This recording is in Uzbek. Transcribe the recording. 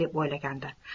deb o'ylardi